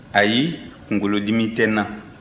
ayi kunkolodimi tɛ n na